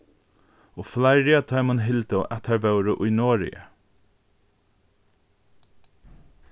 og fleiri av teimum hildu at teir vóru í noregi